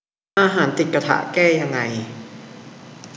อาหารติดกระทะแก้ยังไง